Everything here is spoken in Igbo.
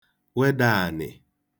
weda ànị̀